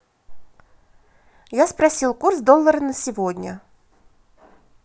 я спросил курс доллара на сегодня